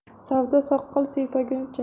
savdo soqol siypaguncha